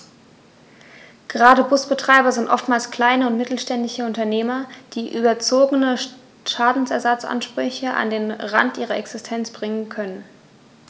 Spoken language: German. Gerade Busbetreiber sind oftmals kleine und mittelständische Unternehmer, die überzogene Schadensersatzansprüche an den Rand ihrer Existenz bringen können.